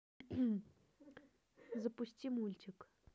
запусти мультик